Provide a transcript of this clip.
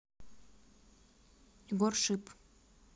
егор шип